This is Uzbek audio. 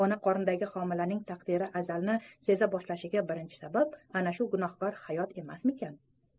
ona qornidagi homilaning taqdiri azalni seza boshlashiga birinchi sabab ana shu gunohkor hayot emasmikin